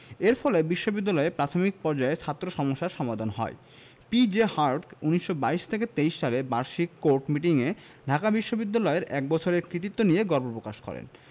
এর ফলে বিশ্ববিদ্যালয়ে প্রাথমিক পর্যায়ে ছাত্র সমস্যার সমাধান হয় পি.জে হার্টগ ১৯২২ ২৩ সালে বার্ষিক কোর্ট মিটিং এ ঢাকা বিশ্ববিদ্যালয়ের এক বছরের কৃতিত্ব নিয়ে গর্ব প্রকাশ করেন